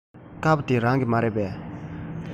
དཀར པོ འདི རང གི མ རེད པས